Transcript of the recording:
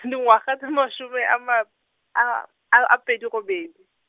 dingwaga tse masome a ma-, , a a pedi robedi.